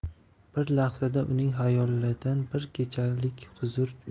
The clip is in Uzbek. bir lahzada uning xayolidan bir kechalik huzur